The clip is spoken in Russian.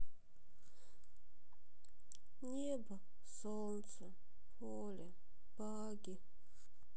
небо солнце поле багги